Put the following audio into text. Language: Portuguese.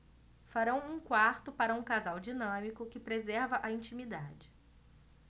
farão um quarto para um casal dinâmico que preserva a intimidade